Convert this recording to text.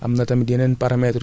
*